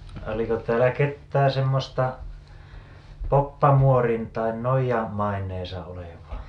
oliko täällä ketään semmoista poppamuorin tai noidan maineessa olevaa